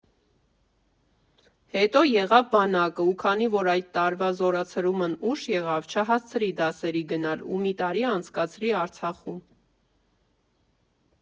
Հետո եղավ բանակը, ու քանի որ այդ տարվա զորացրումն ուշ եղավ, չհասցրի դասերի գնալ ու մի տարի անցկացրի Արցախում։